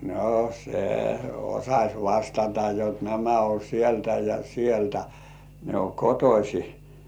no se osasi vastata jotta nämä on sieltä ja sieltä ne on kotoisin